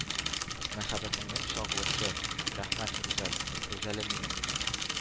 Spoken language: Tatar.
Мәхәббәтеңнең чагылышы... Рәхмәт, Рүзәл... Рүзәлем минем...